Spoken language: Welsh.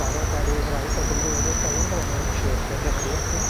cfarod â rw frawd a dwi'm 'di weld ers talwm bron. Ia siŵr 'llai gredu felly.